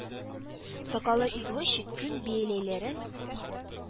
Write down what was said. Сакаллы извозчик, күн бияләйләрен